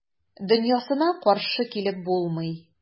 Дөньясына каршы килеп булмый.